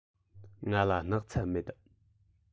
ང ལ སྣག ཚ མེད